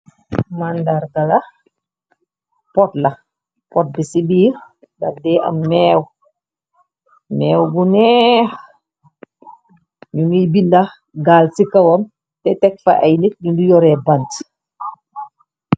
Màndar gala pot la pot bi ci biir dafde am méew méew bu neex ñu ngi binda gaal ci kawam te teg fa ay nit nyungi yoree bante.